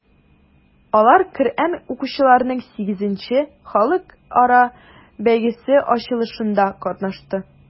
Алар Коръән укучыларның VIII халыкара бәйгесе ачылышында катнашты.